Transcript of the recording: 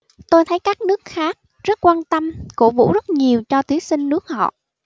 tôi thấy các nước khác rất quan tâm cổ vũ rất nhiều cho thí sinh nước họ